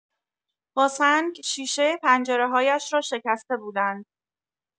با سنگ شیشه پنجره‌هایش را شکسته بودند.